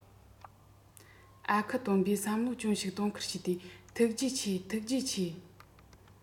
ཨ ཁུ སྟོན པས བསམ བློ ཅུང ཞིག གཏོང ཁུལ བྱས ཏེ ཐུགས རྗེ ཆེ ཐུགས རྗེ ཆེ